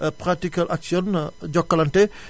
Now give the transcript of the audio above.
Pratical action Jokalante